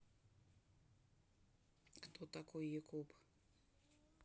кто такой якуб